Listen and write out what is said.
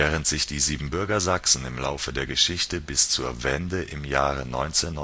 Während sich die Siebenbürger Sachsen im Laufe der Geschichte bis zur Wende im Jahre 1989